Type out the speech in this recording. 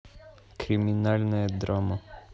криминальная драма